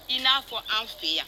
I n'a fɔ an fɛ yan